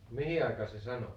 mihin aikaan se sanoi niin